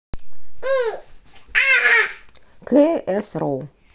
кэ эс гоу